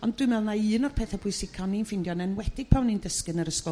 Ond dwi me'wl ma' un o'r pethe pwysica o'n i'n ffindio yn enwedig pan o'n i'n dysgu yr ysgol